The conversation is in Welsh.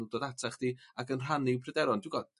nw'n dod ata chdi ac yn rhannu'w pryderon t'g'od?